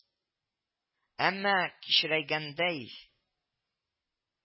Әмма кечерәйгәндәй